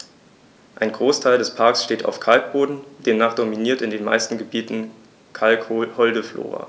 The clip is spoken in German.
Ein Großteil des Parks steht auf Kalkboden, demnach dominiert in den meisten Gebieten kalkholde Flora.